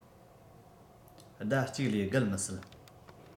ཟླ ཅིག ལས བརྒལ མི སྲིད